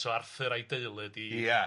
So Arthur a'i deulu ydi... Ia.